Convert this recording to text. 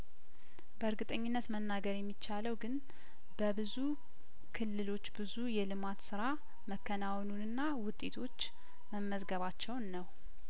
በእርግጠኝነት መናገር የሚቻለው ግን በብዙ ክልሎች ብዙ የልማት ስራ መከናወኑንና ውጤቶች መመዝገባቸውን ነው